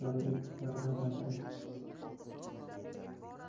joriy etish va rivojlantirish